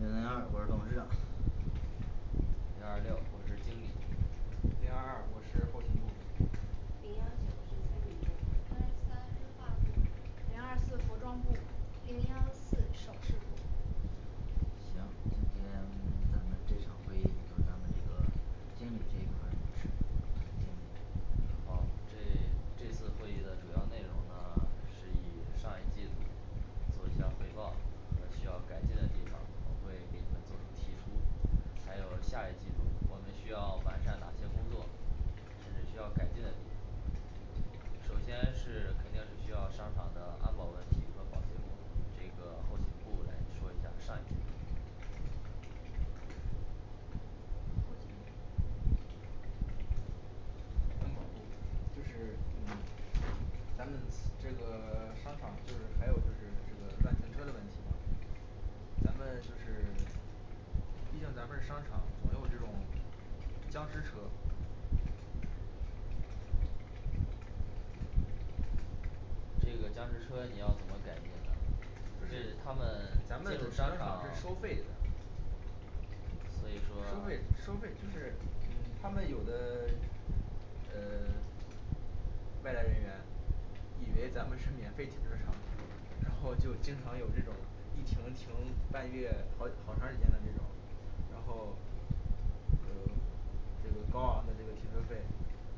零零二，我是董事长。零二六，我是经理。零二二，我是后勤部。零幺九我是餐饮部。零二三，日化部。零二四，服装部。零幺四，首饰部。行，今天， 咱们这场会议由咱们这个经理这一块儿主持。来经理好，这， 这次会议的主要内容呢， 是以上一季度。做一下汇报和需要改进的地方我会给你们就提出，还有下一季度我们需要完善哪些工作。甚至需要改进的地方，首先是，肯定是需要商场的安保问题和保洁工作这个，后勤部来说一下上一季度后勤部安保部，就是，嗯，咱们，这个， 商场就是，还有就是，这个乱停车的问题嘛。咱们就是 毕竟咱们是商场，总有这种，僵尸车。这个僵尸车你要怎么改进呢就，对他是们 咱们的停车商场场 是收费的。所收以费说。收费就是嗯他们有的 呃 外来人员，以为咱们是免费停车场，然后就，就经常有这种一停停半月，好，好长时间的这种。然后。呃，这个高昂的这个停车费，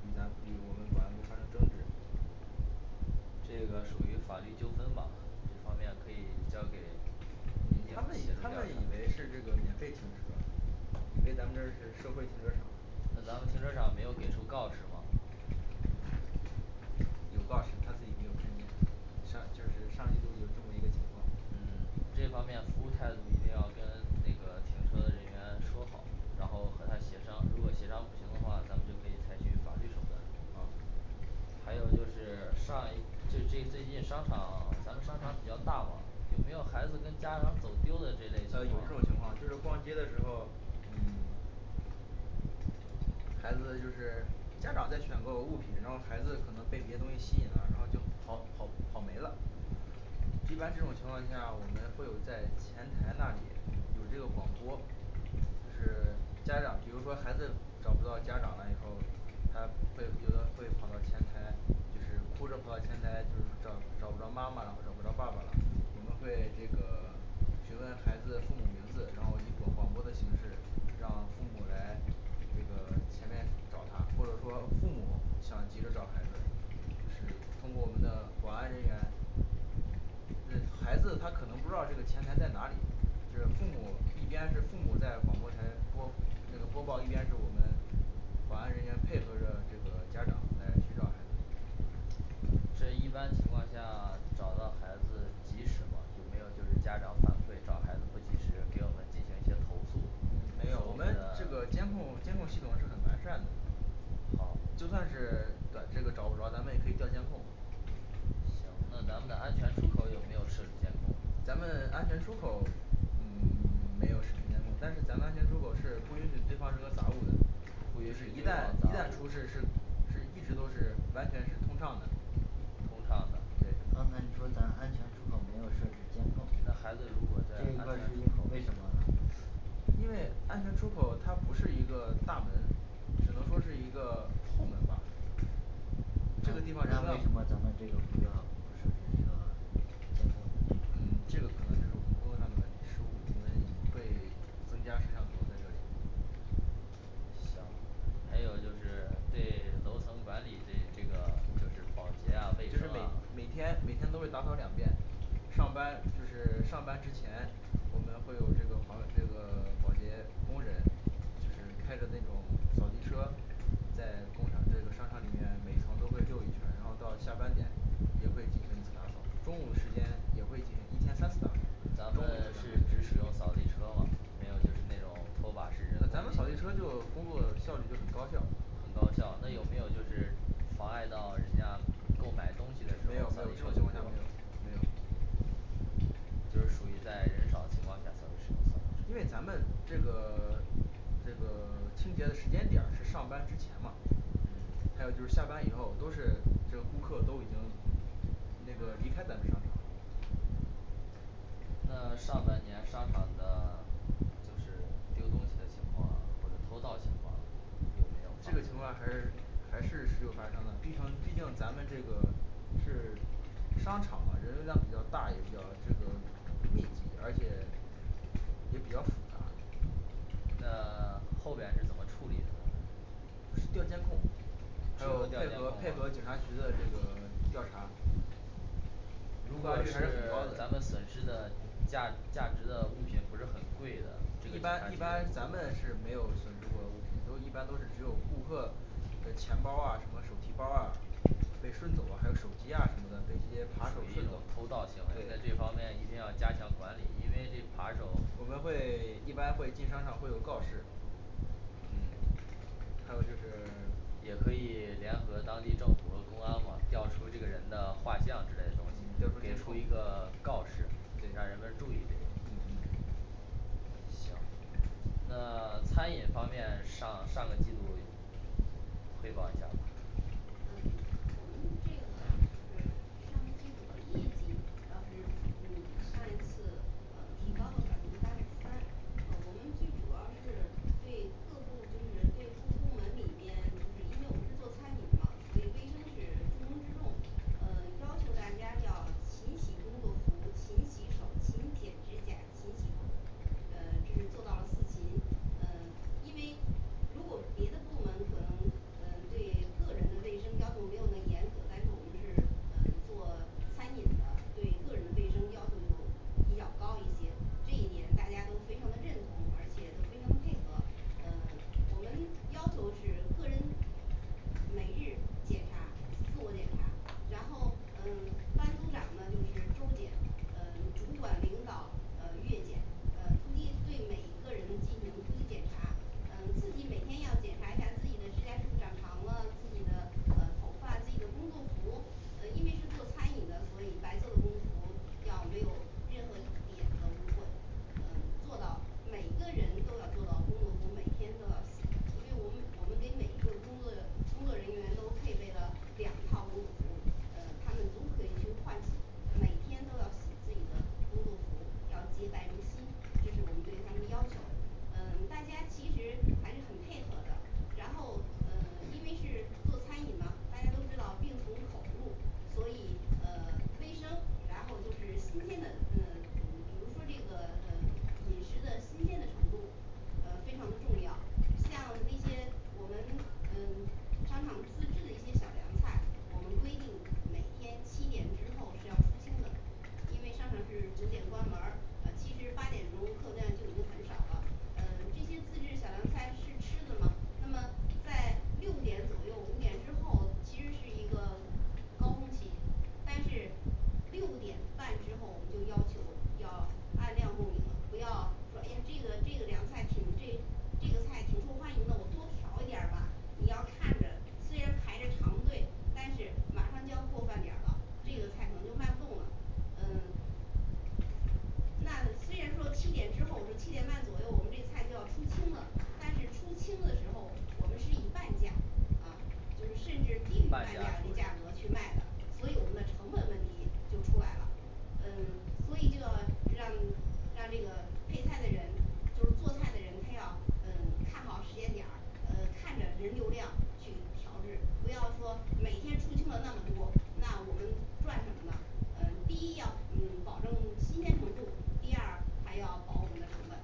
与咱，与我们保安部发生争执。这个属于法律纠纷吧。这方面可以交给民警协他们他们以为是这个免费助停调查车。。以为咱们这儿是社会停车场。那咱们停车场没有给出告示吗。有告示，他自己没有看见。上，就是上季度有这么一个情况。嗯 他这方面服务态度一定要跟那个停车的人员说好，然后和他协商，如果协商不行的话，咱们就可以采取法律手段。好。还有就是 上一，就是这最近商场，咱们商场比较大嘛，有没有孩子跟家长走丢的这类呃情有这种情况，就是逛街的时况候嗯 孩子就是，家长在选购物品时候，孩子可能被别的东西吸引了，然后就跑跑，跑没了。一般这种情况下，我们会有在前台那里，有这个广播。就是 家长，比如说孩子找不到家长了以后。他会，有的会跑到前台，就是哭着跑到前台，就是找，找不着妈妈了，或找不着爸爸了，我们会，这个 询问孩子父母名字，然后以广广播的形式，让父母来，这个 前面，找他。或者说父母想急着找孩子，就是通过我们的保安人员。呃，孩子他可能不知道这个前台在哪里。就是父母，一边是父母在广播台播，那个播报，一边是我们。保安人员配合着这个家长来寻找孩子。这一般情况下 找到孩子及时吗。有没有就是家长反馈找孩子不及时给我们进行一些投诉嗯没有说，我我们们的 这个监控，监控系统是很完善的。好。就算是 短，这个找不着，咱们也可以调监控。行那咱们的安全出口有没有设置监控。咱们安全出口。嗯 没有视频监控，但是咱们安全出口是不允许堆放任何杂物的。不允就许是一堆放旦，一杂旦物出事，是，是，一直都是完全是通畅的。通畅的对那刚孩才子你如说果咱在安安全全出出口口没有设置监控这一块是因为什么呢因为安全出口它不是一个大门。只能说是一个后门吧。这个地方人的那这个可为什么咱们能这个不要不设置这个监控呢这就块儿是我们工作上的问题失误我们嗯会 增加摄像头在这里。嗯。 行。还有就是对楼层管理，这，这个，就是保洁呀，卫就生是每啊每天每天都会打扫两遍。上班就是 上班之前。我们会有这个，旁，这个 保洁，工人。就是开着那种扫地车。在工厂，在这个商场里面每一层都会遛一圈然后到下班点也会进行一次打扫。中午时间也会进行，一天三次打扫。中午也会打咱们是只使用扫地扫车吗？没有就是那种拖把式人工呃进行咱们扫地车就工作效率就很高效很高效那有没有就是妨碍到人家购买东西的没人有没扫有地这车种情路况过下没有没有就是属于在人少的情况下才会使因为用扫咱地车们，这个 这个 清洁的时间点儿是上班之前嘛。还有就是下班以后，都是。这个顾客都已经，那个离开咱们商场了。那上半年商场的 就是丢东西的情况，或者偷盗情况有没这个情有况发生还是还是时有发生的毕成毕竟咱们这个是 商场嘛，人流量比较大，也比较这个。密集，而且。也比较复杂。那 后边是怎么处理的呢就是调监控。只还有有调配监控合，吗配合警察局的这个调查。如督果办率还是很高的是 咱们损失的价，价值的物品不是很贵的。这个一警察般局一般咱们也不会管是没有损失过物品都一般都是只有顾客。的钱包儿啊，什么手提包儿啊。被顺走啊，还有手机啊，什么的，被一些扒手属于顺一走。种对偷盗行为，那这方面一定要加强管理因为这扒手我们会 一般会进商场会有告示嗯还有就是 嗯调也出监控对可以联合当地政府和公安嘛，调出这个人的画像之类的东西，给出一个告示，让人们注意这个。嗯嗯行。那 餐饮方面上，上个季度。汇报一下吧。嗯我们这个。就是上个季度的业绩倒是嗯比上一次提高了百分之八点儿三呃我们最主要是。对各部，就是对部部门里面，就是因为我们是做餐饮的嘛。所以卫生是重中之重。呃，要求大家要勤洗工作服，勤洗手，勤剪指甲，勤洗头。呃这是做到了四勤。呃因为如果别的部门可能，嗯，对个人的卫生要求没我们严格，但是我们是。嗯，做餐饮的，对个人的卫生要求就比较高一些，这一点大家都非常的认同，而且都非常的配合。呃 我们要求是个人。每日检查，自我检查，然后，嗯，班组长呢，就是周儿检。嗯主管领导，呃月检，呃突击对每一个人进行突击检查嗯，自己每天要检查一下自己的指甲是不是长长了，自己的嗯头发，自己的工作服。呃因为是做餐饮的，所以白色的工服要没有任何一点的污秽。嗯做到，每一个人都要做到工作服每天都要洗的因为我们，我们给每一个工作的，工作人员都配备了两套工作服。嗯，他们都可以去换洗。每天都要洗自己的工作服，要洁白如新。这是我们对他们要求。嗯，大家其实还是很配合的。然后呃， 因为是做餐饮嘛。大家都知道病从口入。所以呃 卫生，然后就是新鲜的，呃嗯比如说这个呃饮食的新鲜的程度。呃，非常的重要。像那些，我们，嗯， 商场自制的一些小凉菜。我们规定每天七点之后是要出清的。因为商场是九点关门儿。嗯其实八点钟客流量就已经很少了。呃，这些自制小凉菜是吃的嘛，那么在六点左右，五点之后。其实是一个高峰期。但是。六点半之后，我们就要求要。按量供应了，不要说诶呀这个，这个凉菜，挺，这，这个菜挺受欢迎的我多调一点儿吧。你要看着，虽然排着长队，但是马上就要过饭点儿了，这个菜可能就卖不动了。嗯。那虽然说七点之后，说七点半左右，我们这些菜就要出清了。但是出清的时候我们是以半价。啊就是甚至低于半半价价出这价格售去卖的。所以我们的成本问题就出来啦嗯。所以这， 让 让这个，配菜的人，就是做菜的人，他要嗯看好时间点儿。呃，看着人流量，去调制，不要说每天出清的那么多。那我们赚什么呢。嗯，第一要，嗯，保证 新鲜程度。第二，还要保我们的成本，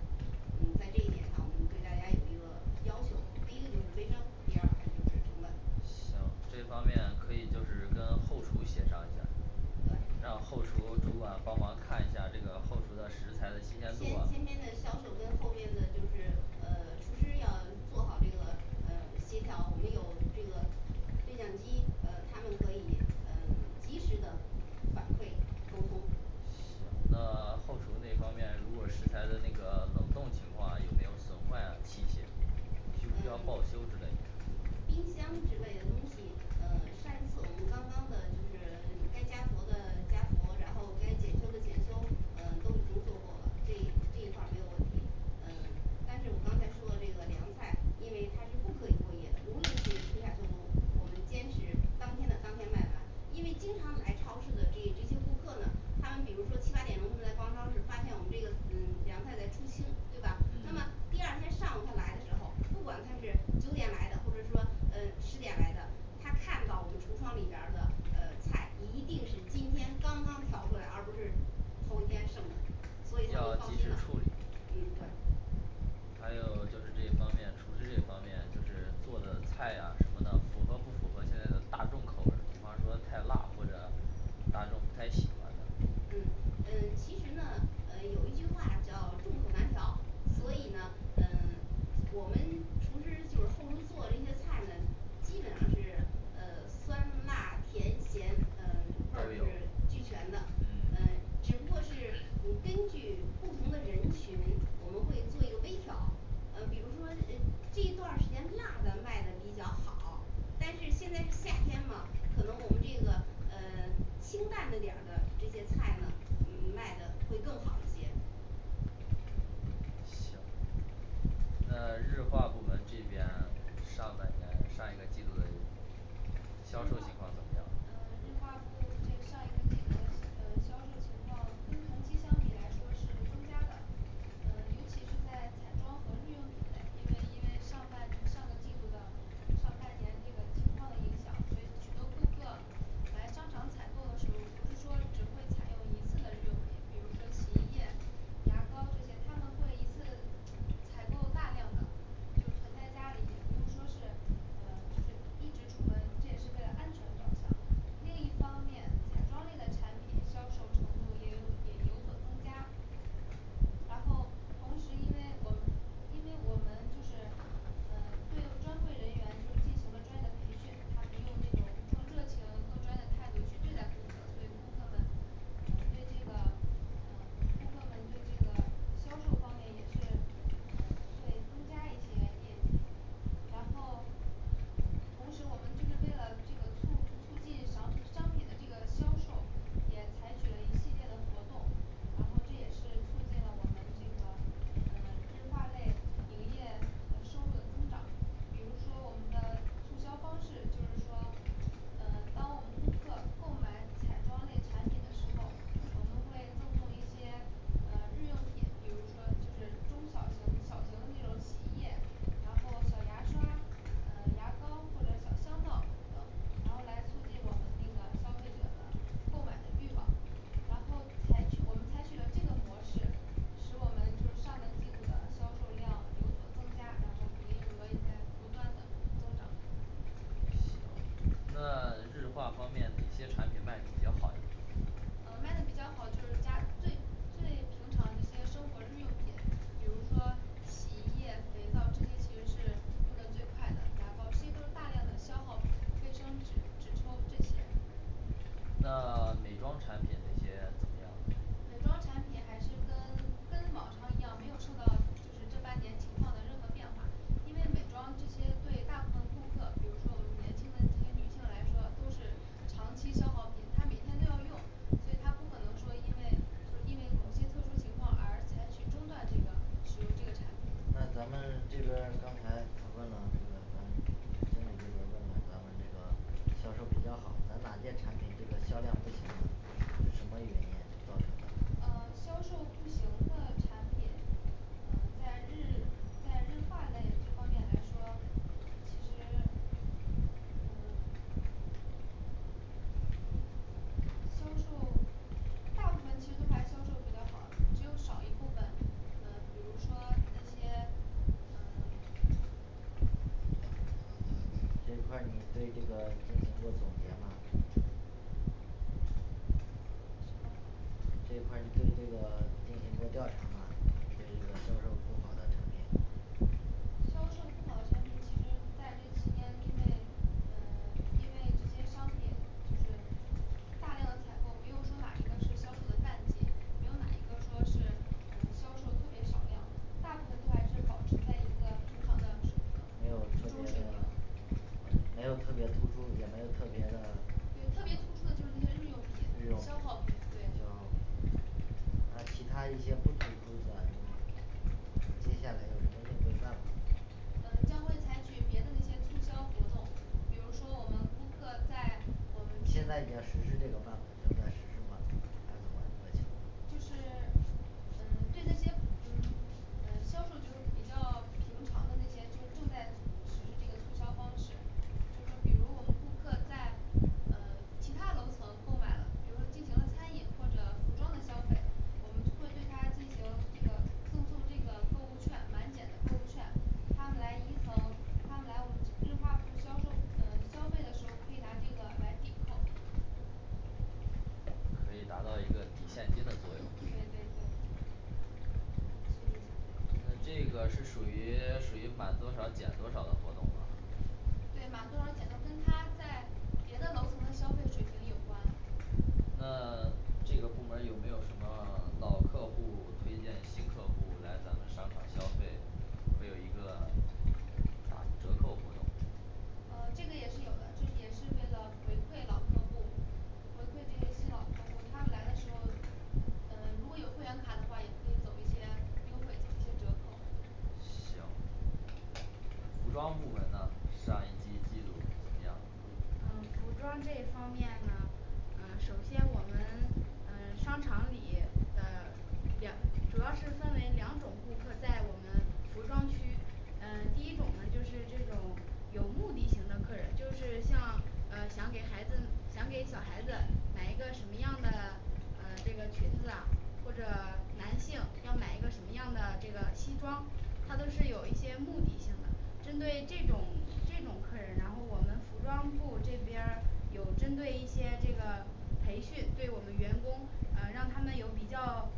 嗯，在这一点上我们对大家有一个要求。第一个就是卫生，第二个还就是成本。行，这方面可以就是跟后厨协商一下儿对。让后厨主管帮忙看一下这个后厨的食材的新鲜前度啊前边的销售跟后边的就是，呃，厨师要做好这个，呃，协调。我们有这个对讲机呃他们可以呃 及时的反馈沟通那 后厨这方面，如果食材的那个冷冻情况啊有没有损坏啊，器械。需不需嗯要 报修之类嗯冰箱之类的东西，呃，上次我们刚刚的就是该加氟的加氟然后该检修的检修。嗯，都已经做过了，这，这一块儿没有问题。呃，但是我刚才说的这个凉菜。因为它是不可以过夜的，无论是春夏秋冬，我们坚持，当天的当天卖完。因为经常来超市的这这些客户呢。他们比如说七八点钟他们在逛超市，发现我们这个嗯凉菜在出清，对吧。那么。第二天上午他来的时候，不管他是九点来的，或者是说，呃，十点来的。他看到我们橱窗里边儿的，呃，菜，一定是今天刚刚调过来，而不是头一天剩的那个所以他要们放及心的时了处理嗯对。还有就是这方面，厨师这方面，就是做的菜呀什么的，符合不符合现在的大众口味儿。比方说太辣或者大众不太喜欢的嗯，嗯，其实呢，呃有一句话叫众口难调。所以呢，嗯，我们 厨师，就是后厨做的这一些菜呢。基本上是，呃，酸、辣、甜、咸，嗯， 都味儿是有俱全的嗯呃。只不过是嗯根据不同的人群。我们会做一个微调。嗯比如说，呃，这一段儿时间辣的卖的比较好。但是现在是夏天嘛可能我们这个呃清淡的点儿的这些菜呢，嗯嗯卖的会更好一些。行。那日化部门这边，上半年，上一个季度的。日销售化情况怎么样。嗯 日化部就上一个季度的，呃，销售情况跟同期相比来说是增加的。呃，尤其是在彩妆和日用品类，因为因为上半上个季度的上半年这个情况的影响，所以许多顾客来商场采购的时候不是说只会采用一次的日用品比如说洗衣液、牙膏这些，他们会一次采购大量的。就囤在家里的，不用说是，嗯，就是一直出门，这也是为了安全着想。另一方面彩妆类的产品销售程度也有，也有所增加。然后同时因为我们，因为我们就是。呃，对专柜人员就进行了专业的培训。他们用那种更热情更专业的态度去对待顾客，对顾客们。呃，对这个呃，顾客们对这个，销售方面也是。呃，会增加一些业绩，然后。同时我们就是为了这个促促进商商品的这个销售。也采取了一系列的活动。然后这也是促进了我们这个，呃，日化类营业和收入的增长。比如说我们的促销方式，就是说。呃，当我们顾客购买彩妆类产品的时候。我们会赠送一些呃日用品，比如说就是中小型，小型的那种洗衣液，然后小牙刷，呃，牙膏或者小香皂等。然后来促进我们那个消费者的购买的欲望。然后采取，我们采取的这个模式，使我们就是上个季度的销售量有所增加。然后营业额也在不断的增长。那 日化方面哪些产品卖得比较好呀呃，卖得比较好的就是家，最，最平常这些生活日用品。比如说洗衣液、肥皂这些其实是用的最快的，牙膏这些都是大量的消耗品，卫生纸、纸抽这些。那 美妆产品那些怎么样美妆产品还是跟，跟往常一样没有受到就是这半年情况的任何变化。因为美妆这些对大部分顾客，比如说我们年轻的这些女性来说，都是长期消耗品。她每天都要用，所以她不可能说因为，就是因为某些特殊情况而采取中断这个。使用这个产品。那咱们这边儿刚才讨论了这个咱经理就是问了咱们这个销售比较好咱把这产品这个销量不行呢是什么原因造成的呃，销售不行的产品。嗯在日，在日化类这方面来说，其实。嗯 销售 大部分其实都还销售比较好的。只有少一部分，嗯，比如说那些。嗯 这块儿你对这个进行过总结吗。什么这块儿你对这个进行过调查吗，对这个销售不好的产品。销售不好的产品其实在这期间因为。呃 因为这些商品，就是大量的采购，没有说哪一个是销售的淡季。没有哪一个说是嗯销售特别少量。大部分都还是保持在一个平常的。没有居特中别水的平吗。嗯没有特别突出也没有特别的。对，特别突出嗯的就是那些日用日用品品，消消耗耗品品。，对那其他一些不突出的接下来有什么应对办法吗嗯，将会采取别的那些促销活动。比如说我们顾客在，我们就现是 在已经实施这个办法，正在实施吗还是怎么一个情况嗯，对那些嗯，呃销售就是比较平常的那些，就正在实行这个促销方式。就是说比如说我们顾客在呃 其他楼层购买了，比如说进行餐饮，或者服装的消费。我们会对他进行这个，赠送这个购物券，满减的购物券。他们来一层，他们来我们日化部销售，呃，消费的时候，可以拿这个来抵扣。可以达到一个抵现金的作用。对对对促进消费那这个是属于， 属于满多少减多少的活动吗。对满多少减的，跟他在别的楼层的消费水平有关。那 这个部门儿有没有什么 老客户 推荐新客户来咱们商场消费。会有一个，打折扣活动呃，这个也是有的，这也是为了回馈老客户。回馈给新老客户，他们来的时候，呃 如果有会员卡的话也可以走一些优惠，一些折扣。行。服装部门呢，上一季季度怎么样。嗯，服装这方面呢。嗯，首先我们嗯，商场里的。两，主要是分为两种顾客在我们服装区。呃，第一种呢就是这种有目的型的客人，就是像。呃，想给孩子，想给小孩子买一个，什么样的呃这个裙子啊。或者男性要买一个什么样的这个西装。他都是有一些目的性的，针对这种，这种客人，然后我们服装部这边儿有针对一些这个培训，对我们员工。呃，让他们有比较，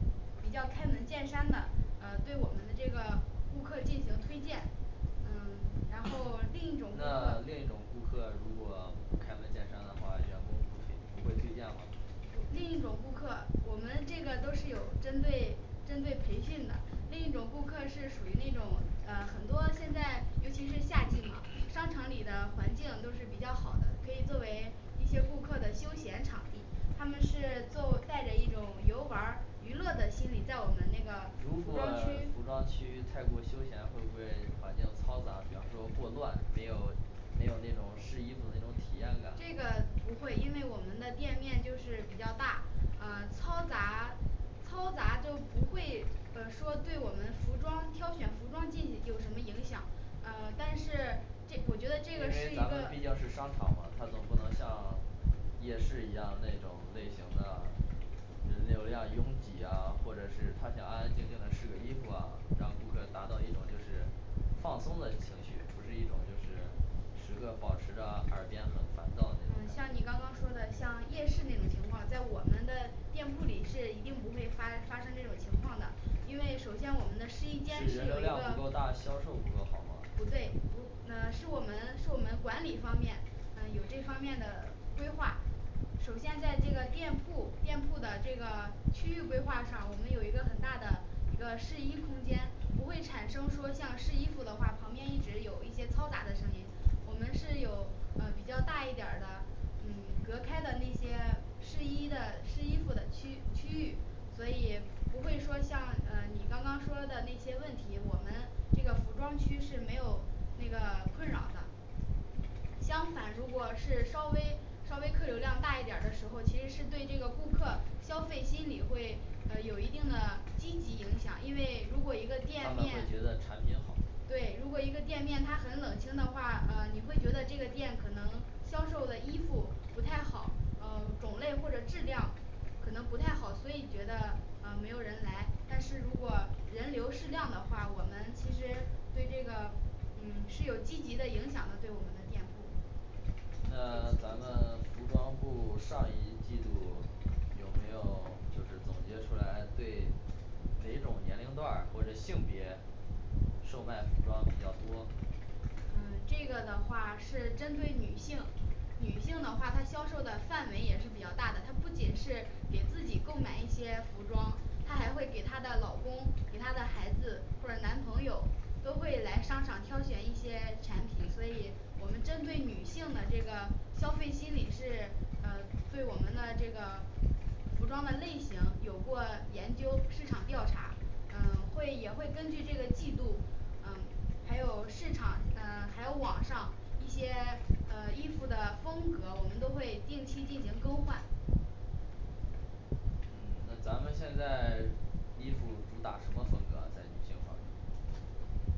比较开门见山的呃，对我们的这个，顾客进行推荐。嗯 ，然后另一种那另一种顾客。顾客如果不开门见山的话员工不推不会推荐吗。不，另一种顾客，我们这个都是有针对，针对培训的。另一种顾客是属于那种呃很多，现在，尤其是夏季嘛。商场 里的环境都是比较好的，可以作为一些顾客的休闲场地。他们是做，带着一种游玩儿娱乐的心理在我们那个。如服果服装装区区。太过休闲会不会环境嘈杂，比方说过乱，没有没有那种试衣服那种体这验个感。不会，因为我们的店面就是，比较大。呃，嘈杂，嘈杂就不会，呃，说对我们服装，挑选服装，进行 有什么影响。嗯，但是，这，我觉因为这个是一咱们个。毕竟是商场嘛它总不能像 夜市一样那种类型的。人流量拥挤呀，或者是他想安安静静的试个衣服啊，让顾客达到一种就是放松的情绪。不是一种就是时刻保持着耳边很烦躁的那种感嗯觉。像你刚刚说的像夜市那种情况，在我们的店铺里是一定不会发，发生这种情况的。因为首先我们的试衣间是是人流有一量个不够大，销售不够好吗，不对，不，那，是我们，是我们管理方面呃，有这方面的规划。首先在这个店铺，店铺的这个。区域规划上我们有一个很大的一个试衣空间。不会产生说像试衣服的话，旁边一直有一些嘈杂的声音。我们是有，呃，比较大一点儿的，嗯 隔开的那些，试衣的，试衣服的区，区域。所以，不会说像，呃，你刚刚说的那些问题，我们这个服装区是没有那个困扰的。相反如果是稍微，稍微客流量大一点儿的时候，其实是对这个顾客消费心理会呃有一定的积极影响。因为如果一个店他们会面。觉得产品好。对，如果一个店面它很冷清的话，呃，你会觉得这个店可能销售的衣服不太好。呃，种类或者质量可能不太好，所以觉得呃，没有人来。但是如果人流适量的话，我们其实对这个嗯是有积极的影响的，对我们的店铺。那 咱们 服装部 上一季度， 有没有就是，总结出来，对哪种年龄段儿或者性别。售卖服装比较多。嗯，这个的话是针对女性。女性的话她销售的范围也是比较大的，她不仅是给自己购买一些服装。她还会给她的老公，给她的孩子，或者男朋友。都会来商场挑选一些产品。所以我们针对女性的这个消费心理是，呃。对我们呢，这个服装的类型有过研究，市场调查。嗯会，也会根据这个季度嗯，还有市场呃 还有网上。一些 呃，衣服的风格我们都会定期进行更换。嗯那咱们现在 衣服主打什么风格，在女性方面。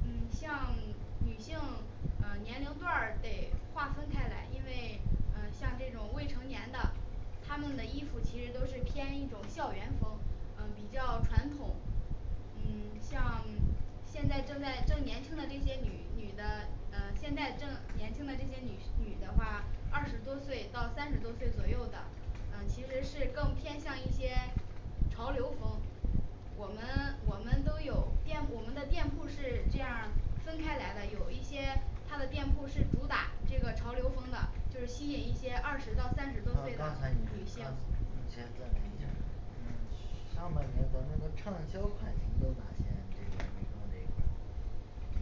嗯，像 女性，呃年龄段儿得划分开来，因为呃像这种未成年的。他们的衣服其实都是偏一种校园风。嗯，比较传统，嗯像 现在正在，正年轻的这些女，女的。呃现在正年轻的这些女，女的话，二十多岁到三十多岁左右的。呃其实是更偏向一些潮流风。我们，我们都有，店，我们的店铺是这样儿分开来的，有一些他的店铺是主打。这个潮流风的，就是吸引一些二十到三十啊刚才你多说刚岁先的暂女停一下性。儿嗯上半年咱们的畅销款都哪些啊这边儿女装这一块儿